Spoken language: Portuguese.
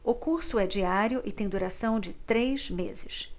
o curso é diário e tem duração de três meses